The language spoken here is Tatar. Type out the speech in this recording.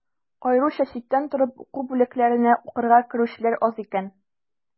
Аеруча читтән торып уку бүлекләренә укырга керүчеләр аз икән.